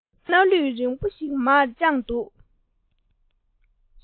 སྣ ལུད རིང པོ ཞིག མར དཔྱངས འདུག